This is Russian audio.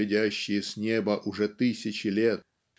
глядящие с неба уже тысячи лет